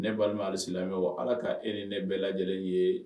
Ne balima hali mɛ ala ka e ni ne bɛɛ lajɛ lajɛlen ye